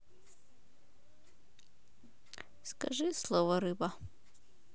скажи слово рыба